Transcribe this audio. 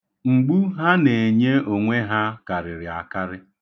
Mgbu ha na-enye onwe ha karịrị akarị.